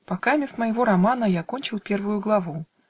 Покамест моего романа Я кончил первую главу